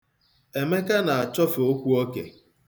Emeka na-achọfe okwu oke.